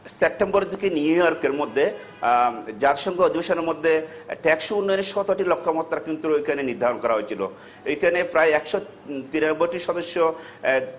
সেপ্টেম্বরের দিকে নিউ ইয়র্কের মধ্যে জাতিসংঘ অধিবেশনের মধ্যে টেকসই উন্নয়নের ১৭ টি লক্ষ্যমাত্রা কিন্তু এখানে নির্ধারণ করা হয়েছিল এখানে প্রায় ১৯৩ টি সদস্য